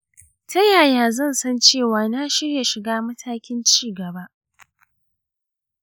ta yaya zan san cewa na shirya shiga matakin ci gaba?